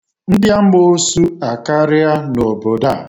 Ndị amoosu akarịa n'obodo a.